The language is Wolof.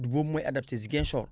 du boobu mooy adapté Ziguinchor